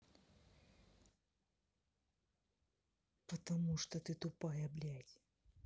потому что ты тупая блядь